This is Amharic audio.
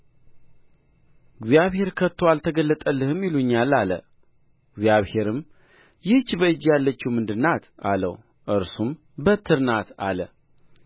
እግዚአብሔር ከቶ አልተገለጠልህም ይሉኛል አለ እግዚአብሔርም ይህች በእጅህ ያለችው ምንድር ናት አለው እርሱም በትር ናት አለ